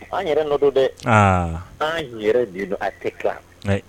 An yɛrɛ nɔ don dɛ an yɛrɛ de don a tɛ tila